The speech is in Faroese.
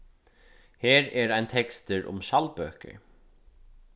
her er ein tekstur um skjaldbøkur